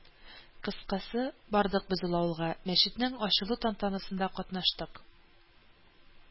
Кыскасы, бардык без ул авылга, мәчетнең ачылу тантанасында катнаштык